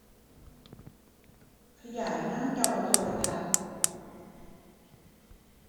ขยายหน้าจอโทรทัศน์